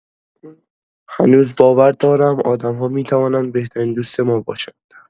هنوز باور دارم آدم‌ها می‌توانند بهترین دوست ما باشند.